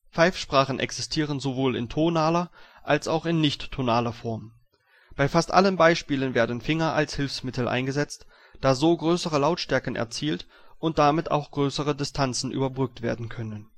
Pfeifsprachen existieren sowohl in tonaler als auch in nichttonaler Form. Bei fast allen Beispielen werden Finger als Hilfsmittel eingesetzt, da so größere Lautstärken erzielt und damit auch größere Distanzen überbrückt werden können